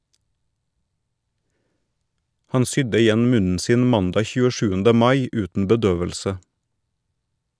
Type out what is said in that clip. - Han sydde igjen munnen sin mandag 27. mai uten bedøvelse.